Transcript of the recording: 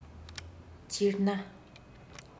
སྤྱིར ན